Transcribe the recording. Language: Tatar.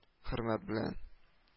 Хөрмәт белән